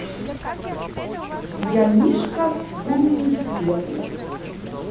я мишка гумми бер